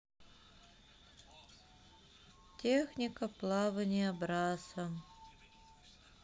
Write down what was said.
техника плавания брассом